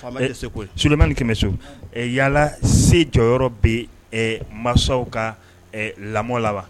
Faama se solimani kɛmɛ bɛ so yalala se jɔyɔrɔ yɔrɔ bɛ masaw ka lamɔ laban